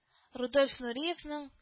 — рудольф нуриевның